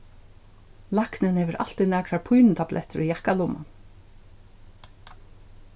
læknin hevur altíð nakrar pínutablettir í jakkalummanum